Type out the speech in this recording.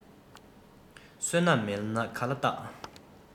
བསོད ནམས མེད ན ག ལ རྟག